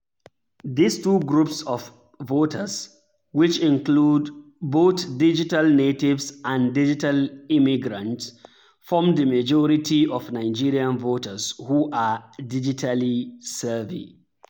These two groups of voters, which include both digital natives and digital immigrants, form the majority of Nigerian voters who are digitally savvy.